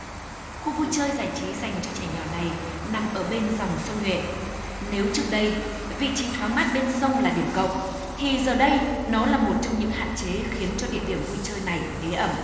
khu vui chơi giải trí dành cho trẻ nhỏ này nằm ở bên dòng sông nhuệ nếu trước đây vị trí thoáng mát bên sông là điểm cộng thì giờ đây nó là một trong những hạn chế khiến cho địa điểm vui chơi này ế ẩm